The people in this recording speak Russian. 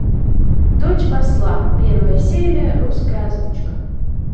дочь посла первая серия русская озвучка